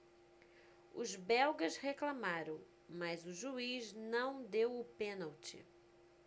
os belgas reclamaram mas o juiz não deu o pênalti